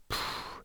Puh.